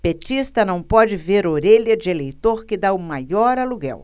petista não pode ver orelha de eleitor que tá o maior aluguel